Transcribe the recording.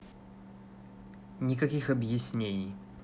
никаких объяснений